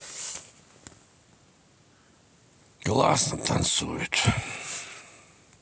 классно танцуют